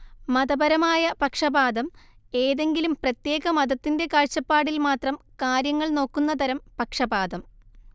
മതപരമായ പക്ഷപാതം ഏതെങ്കിലും പ്രത്യേക മതത്തിന്റെ കാഴ്ചപ്പാടില്‍ മാത്രം കാര്യങ്ങള്‍ നോക്കുന്ന തരം പക്ഷപാതം